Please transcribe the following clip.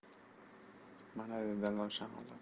mana dedi dallol shang'illab